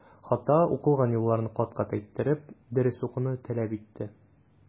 Хата укылган юлларны кат-кат әйттереп, дөрес укуны таләп итте.